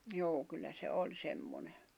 joo kyllä se oli semmoinen